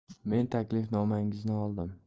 men taklifnomangizni oldim